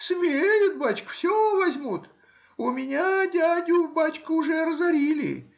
смеют, бачка, все возьмут; у меня дядю, бачка, уже разорили.